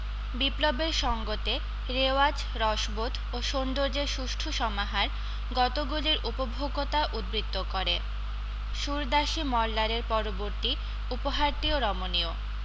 বিপ্লবের সঙ্গতে রেওয়াজ রসবোধ ও সৌন্দর্যের সুষ্ঠু সমাহার গতগুলির উপভোগ্যতা উদ্বৃত্ত করে সুরদাসী মল্লারের পরবর্তী উপহারটিও রমণীয়